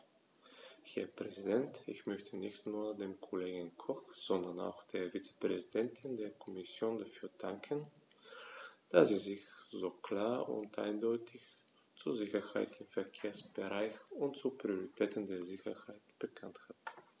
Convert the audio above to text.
Herr Präsident, ich möchte nicht nur dem Kollegen Koch, sondern auch der Vizepräsidentin der Kommission dafür danken, dass sie sich so klar und eindeutig zur Sicherheit im Verkehrsbereich und zur Priorität der Sicherheit bekannt hat.